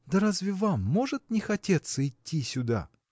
Да разве вам может не хотеться идти сюда?